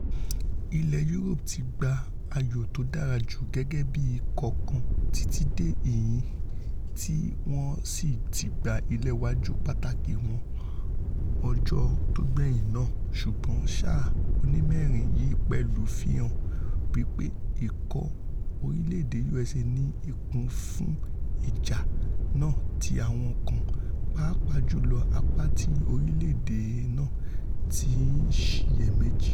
Ilẹ Yúróòpù ti gbá ayò tódàra ju gẹ́gẹ́bí ikọ̀ kan títí dé ìhín tí wọn sì tígba ìléwájú pàtàkí wọnú ọjọ́ tógbẹ̀yìn náà ṣùgbọn sáà onímẹ́rin yìí pẹ̀lú fihàn wí pé Ìkọ orílẹ̀-èdè USA ní ikùn fún ìjà náà tí àwọn kan, papàá jùlọ Apá-ti-orílẹ̀-èdè náà, ti ńsiyèméjì.